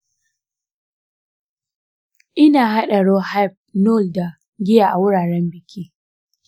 ina haɗa rohypnol da giya a wuraren biki.